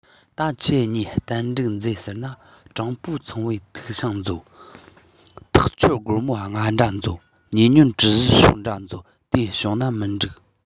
ད ཁྱེད གཉིས གཏམ འགྲིག མཛད ཟེར ན དྲང པོ ཚངས པའི ཐིག ཤིང མཛོད ཐག ཆོད སྒོར མོ རྔ འདྲ མཛོད ཉེ སྙོམ གྲུ བཞི ཤོ འདྲ མཛོད དེ བྱུང ན མི འགྲིག ཡོང དོན མེད